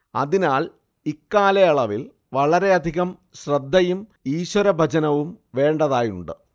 അതിനാൽ ഇക്കാലയളവിൽ വളരെയധികം ശ്രദ്ധയും ഈശ്വരഭജനവും വേണ്ടതായുണ്ട്